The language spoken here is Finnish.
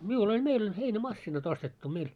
minulla oli meillä oli heinämasiinat ostettu meillä